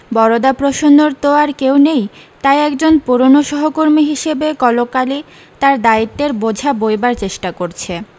বরদাপ্রসন্নর তো আর কেউ নেই তাই একজন পুরনো সহকর্মী হিসেবে কলকালি তার দ্বায়িত্বের বোঝা বৈবার চেষ্টা করছে